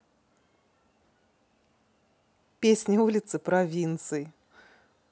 песня улица провинций